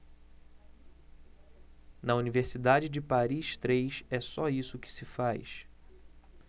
na universidade de paris três é só isso que se faz